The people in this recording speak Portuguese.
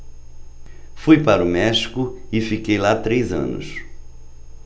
fui para o méxico e fiquei lá três anos